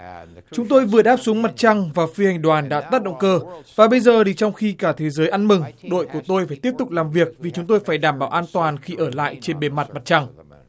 chúng tôi vừa đáp xuống mặt trăng và phi hành đoàn đã tác động cơ và bây giờ thì trong khi cả thế giới ăn mừng đội của tôi phải tiếp tục làm việc vì chúng tôi phải đảm bảo an toàn khi ở lại trên bề mặt mặt trăng